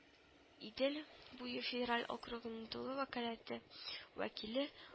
Идел буе федераль округынның тулы вәкаләтле вәкиле